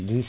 dix